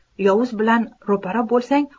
yovuz bilan ro'para bo'lsang